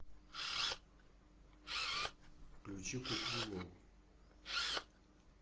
включи куклу лол